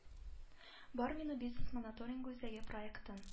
Бармина бизнес моноторингы үзәге проектын